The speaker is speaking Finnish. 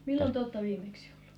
milloin te olette viimeksi ollut